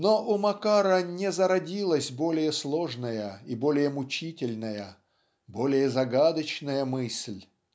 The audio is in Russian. Но у Макара не зародилась более сложная и более мучительная более загадочная мысль